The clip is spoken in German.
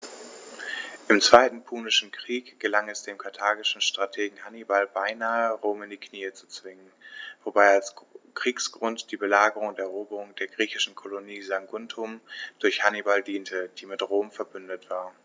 Im Zweiten Punischen Krieg gelang es dem karthagischen Strategen Hannibal beinahe, Rom in die Knie zu zwingen, wobei als Kriegsgrund die Belagerung und Eroberung der griechischen Kolonie Saguntum durch Hannibal diente, die mit Rom „verbündet“ war.